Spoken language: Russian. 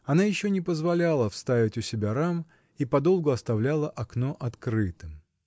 Она еще не позволяла вставить у себя рам и подолгу оставляла окно открытым.